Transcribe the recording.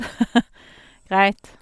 Greit.